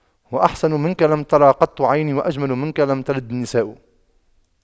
وأحسن منك لم تر قط عيني وأجمل منك لم تلد النساء